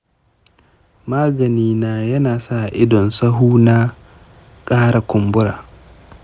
magani na yana sa idon sahu na ƙara kumbura.